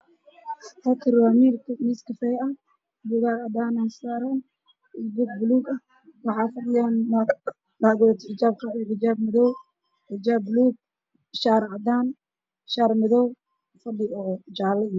3gabdhood fadhiyaan kuraas waxaa horyaalla miis caddaan ah